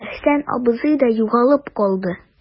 Әхсән абзый да югалып калды.